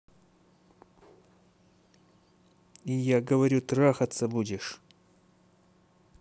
я говорю трахаться будешь